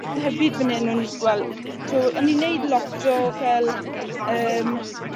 hefyd fyn 'yn o'n i jys gwel', t'wo' o'n i'n neud lot o fel yym